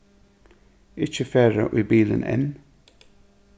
ikki fara í bilin enn